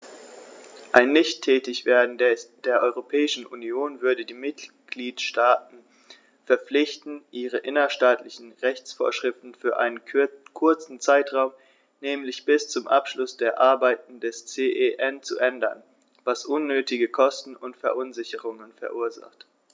Ein Nichttätigwerden der Europäischen Union würde die Mitgliedstaten verpflichten, ihre innerstaatlichen Rechtsvorschriften für einen kurzen Zeitraum, nämlich bis zum Abschluss der Arbeiten des CEN, zu ändern, was unnötige Kosten und Verunsicherungen verursacht.